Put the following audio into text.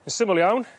Yn syml iawn